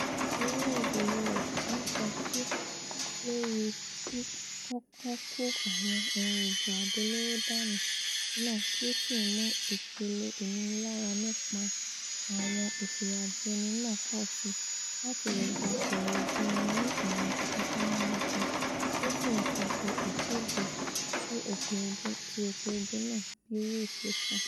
orílẹ̀-èdè U.S. ńtakú lórí ''kíkọ́kọ́ kó àwọn ohun ìjà àdó olóró dànù'' náà tí ó sì ńmu ipele ìninilára nípa àwọn ìfìyàjẹni náà pọ̀síi láti leè gba èrèdí wọn ní ọ̀nà ìfipámúni kan, tósì ńtako ''ìkede ti òpin ogun náà,'''' bii Ri ṣe sọ.